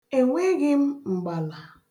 Enweghị m mgbala.